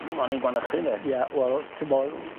on i'n gwanychu ynde. Ie wel t'bo yy